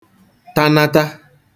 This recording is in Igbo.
tanata